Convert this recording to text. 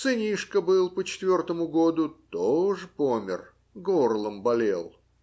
сынишка был по четвертому году - тоже помер, горлом болел